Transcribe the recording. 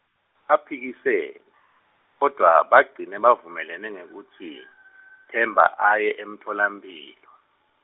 baphikise , kodvwa, bagcine bavumelene ngekutsi, Themba aye emtfolamphilo.